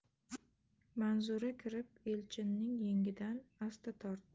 manzura kirib elchinning yengidan asta tortdi